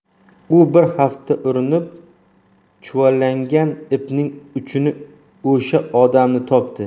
u bir hafta urinib chuvalangan ipning uchini o'sha odamni topdi